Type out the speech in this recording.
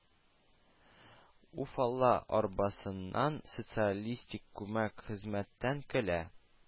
«уфалла арбасы»ннан, социалистик күмәк хезмәттән көлә